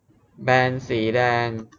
แบนสีแดง